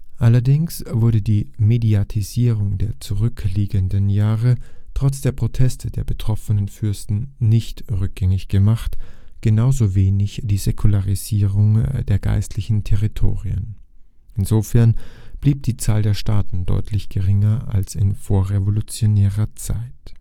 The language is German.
Allerdings wurde die Mediatisierung der zurückliegenden Jahre, trotz der Proteste der betroffenen Fürsten, nicht rückgängig gemacht, genauso wenig die Säkularisierung der Geistlichen Territorien. Insofern blieb die Zahl der Staaten deutlich geringer als in vorrevolutionärer Zeit